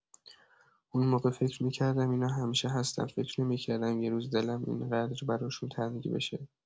اون موقع فکر می‌کردم اینا همیشه هستن، فکر نمی‌کردم یه روز دلم این‌قدر براشون تنگ بشه.